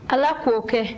ala k'o kɛ